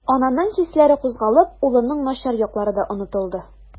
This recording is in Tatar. Ананың хисләре кузгалып, улының начар яклары да онытылды.